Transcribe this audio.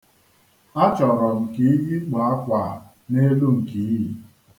Achọrọ m ka iyikpo akwa a n'elu nke i yi.